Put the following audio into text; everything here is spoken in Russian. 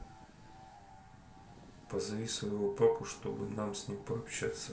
позови своего папу чтобы нам с ним пообщаться